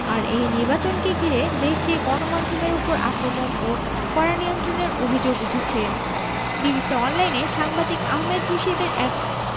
আর এই নির্বাচনকে ঘিরে দেশটির গণমাধ্যমের ওপর আক্রমণ ও কড়া নিয়ন্ত্রণের অভিযোগ উঠেছে বিবিসি অনলাইনে সাংবাদিক আহমেদ রশিদের এক